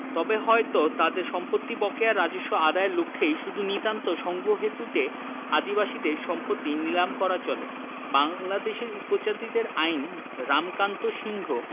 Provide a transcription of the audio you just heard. তবে হয়ত তাদের সম্পত্তির বকেয়া রাজস্ব আদায়ের লক্ষেই শুধু নিতান্ত সঙ্গতহেতুতে আদিবাসীদের সম্পত্তি নীলাম করা চলে বাংলাদেশের উপজাতিদের আইন রামকান্ত সিংহ